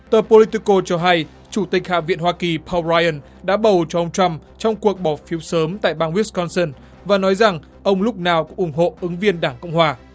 tờ po li ti cô cho hay chủ tịch hạ viện hoa kỳ pâu roai ừn đã bầu cho ông trăm trong cuộc bỏ phiếu sớm tại bang uýt con xin và nói rằng ông lúc nào cũng ủng hộ ứng viên đảng cộng hòa